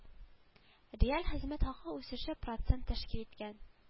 Реаль хезмәт хакы үсеше процент тәшкил иткән